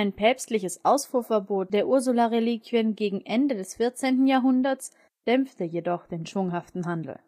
päpstliches Ausfuhrverbot der Ursula-Reliquien gegen Ende des 14. Jahrhundert dämpfte den schwunghaften Handel